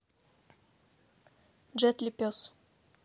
джет ли пес